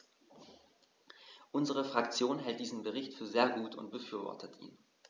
Unsere Fraktion hält diesen Bericht für sehr gut und befürwortet ihn.